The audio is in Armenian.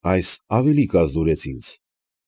Այս ավելի կազդուրեց ինձ։